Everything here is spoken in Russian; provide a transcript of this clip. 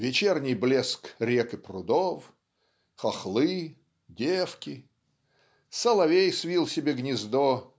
вечерний блеск рек и прудов хохлы девки. Соловей свил себе гнездо